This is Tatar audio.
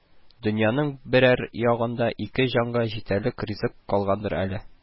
Дөньяның берәр ягында ике җанга җитәрлек ризык калгандыр әле